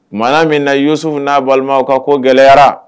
Ma min na yusuun n'a balimaw ka ko gɛlɛyara